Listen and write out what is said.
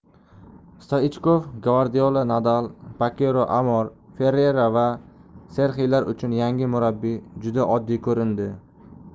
stoichkov gvardiola nadal bakero amor ferrera va serxilar uchun yangi murabbiy juda oddiy ko'rindi